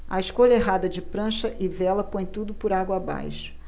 a escolha errada de prancha e vela põe tudo por água abaixo